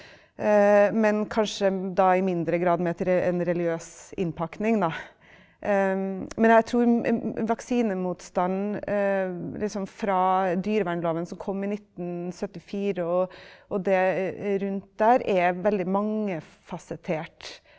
men kanskje da i mindre grad med et en religiøs innpakning da, men jeg tror vaksinemotstand liksom fra dyrevernloven som kom i 1974 og og det rundt der er veldig mangefasettert.